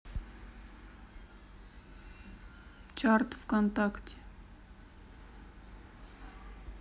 чарт вконтакте